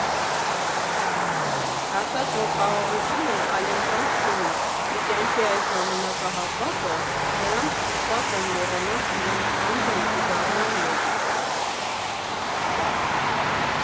Ասաց, որ խաղաղությունն այլընտրանք չունի, ու կյանքի այս ժամանակահատվածը նրանք ստիպված են մոռանալ իրենց անձն ու դառնալ մեկ։